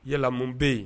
Yalamu bɛ yen